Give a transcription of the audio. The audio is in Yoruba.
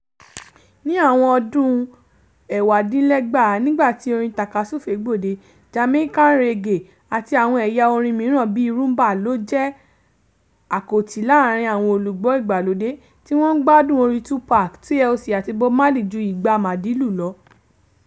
Ní àwọn ọdún 1990, nígbà tí orin tàka-súfé gbòde, Jamaican Raggae, àti àwọn ẹ̀yà orin míràn bi Rhumba ló jẹ́ àkòtì láàárín àwọn olùgbọ́ ìgbàlódé tí wọn ń gbádùn orin Tupac, TLC, àti Bob Marley ju ìgbà Madilu lọ.